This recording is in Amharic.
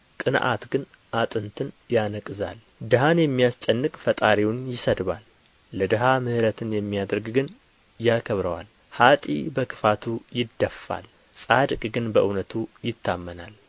ቅንዓት ግን አጥንትን ያነቅዛል ድሀን የሚያስጨንቅ ፈጣሪውን ይሰድባል ለድሀ ምሕረትን የሚያደርግ ግን ያከብረዋል ኀጥእ በክፋቱ ይደፋል ጻድቅ ግን በእውነቱ ይታመናል